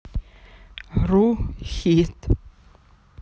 ру хит